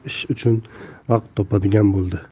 uchun vaqt topadigan bo'ldi